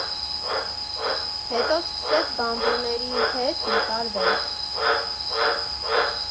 Հետո սկսեց բանվորների հետ նկարվել։